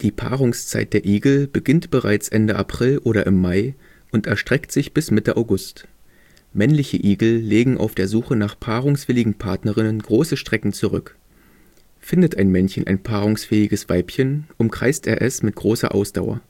Paarungszeit der Igel beginnt bereits Ende April oder im Mai und erstreckt sich bis Mitte August. Männliche Igel legen auf der Suche nach paarungswilligen Partnerinnen große Strecken zurück. Findet ein Männchen ein paarungsfähiges Weibchen, umkreist er es mit großer Ausdauer